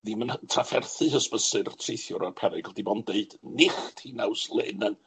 ddim yn hy- trafferthu hysbysu'r treithiwr o'r perygl, dim ond deud nicht